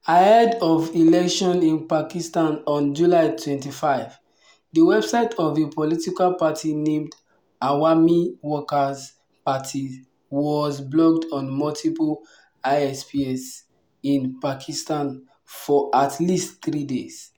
Ahead of elections in Pakistan on July 25, the website of a political party named Awami Workers Party was blocked on multiple ISPs in Pakistan for at least three days.